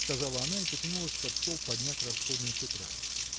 – сказала она и потянулась под стол поднять расходную тетрадь.